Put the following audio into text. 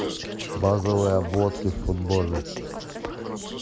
базовые обводки в футболе